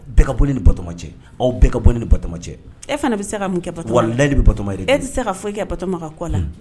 Bɛɛ ka bɔ ni batɔma cɛ aw bɛɛ ka bɔ ni batɔma cɛ e fana bɛ se ka min lani bɛtɔma dɛ e tɛ se ka foyi ikɛ katoma ka kɔ la